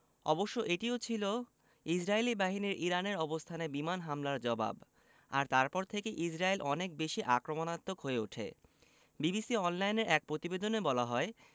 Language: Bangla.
অবশ্য এটিও ছিল ইসরায়েলি বাহিনীর ইরানের অবস্থানে বিমান হামলার জবাব আর তারপর থেকেই ইসরায়েল অনেক বেশি আক্রমণাত্মক হয়ে ওঠে বিবিসি অনলাইনের এক প্রতিবেদনে বলা হয়